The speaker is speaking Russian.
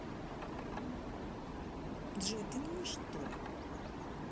джой ты не можешь что ли